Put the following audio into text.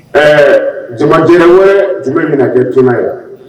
Ɛɛ jama jɛrɛ wɛrɛ bumɛn bi na kɛ suna ye?